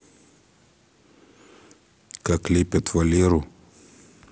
как лепят валеру